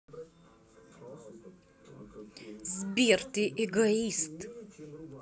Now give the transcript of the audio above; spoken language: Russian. сбер ты эгоист